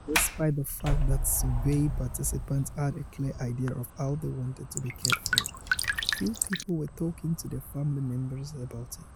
Despite the fact that survey participants had a clear idea of how they wanted to be cared for, few people were talking to their family members about it.